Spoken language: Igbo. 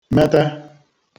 mete